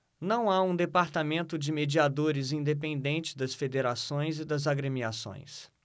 não há um departamento de mediadores independente das federações e das agremiações